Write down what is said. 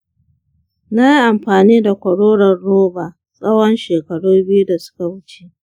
na yi amfani da kwaroron roba tsawon shekaru biyu da suka wuce.